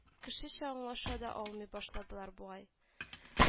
Кешечә аңлаша да алмый башладылар бугай